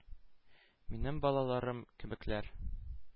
Минем балаларым кебекләр.